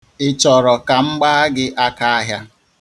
Ị chọrọ ka m gbaa gị akaahịa?